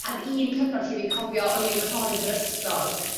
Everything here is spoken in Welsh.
a o'dd un cyfnod lle fi'n cofio o'n i yn coridor ysgol